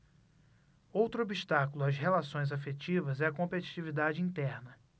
outro obstáculo às relações afetivas é a competitividade interna